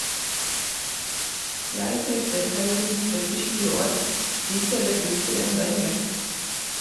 Jeg treffer heroinister på 20 år, de selger dop til enda yngre.